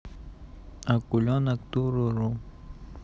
акуленок туруру